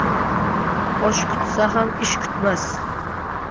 osh kutsa ham ish kutmas